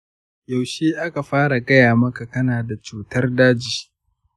yaushe aka fara gaya maka kana da cutar daji?